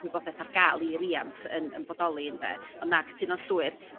gwybodaeth ar ga'l i riant yn bodoli ynde? Ond na cytuno'n llwyr